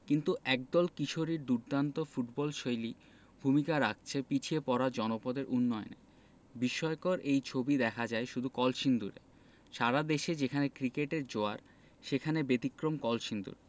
কিন্তু একদল কিশোরীর দুর্দান্ত ফুটবলশৈলী ভূমিকা রাখছে পিছিয়ে পড়া জনপদের উন্নয়নে বিস্ময়কর এই ছবি দেখা যায় শুধু কলসিন্দুরে সারা দেশে যেখানে ক্রিকেটের জোয়ার সেখানে ব্যতিক্রম কলসিন্দুর